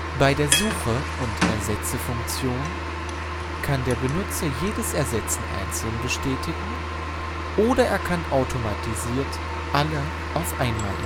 Bei der „ Suchen und Ersetzen “- Funktion kann der Benutzer jedes Ersetzen einzeln bestätigen oder er kann automatisiert alle auf einmal